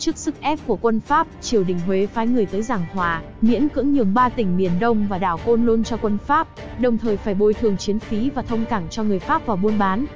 trước sức ép của quân pháp triều đình huế phái người tới giảng hòa miễn cưỡng nhường tỉnh miền đông và đảo côn lôn cho quân pháp đồng thời phải bồi thường chiến phí và thông cảng cho người pháp vào buôn bán